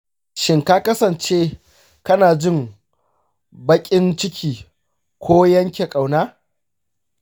shin ka kasance kana jin baƙin ciki ko yanke ƙauna?